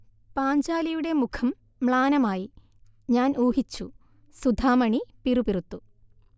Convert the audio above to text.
പാഞ്ചാലിയുടെ മുഖം മ്ളാനമായി 'ഞാൻ ഊഹിച്ചു' സുധാമണി പിറുപിറുത്തു